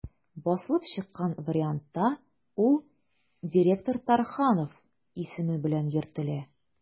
Басылып чыккан вариантта ул «директор Тарханов» исеме белән йөртелә.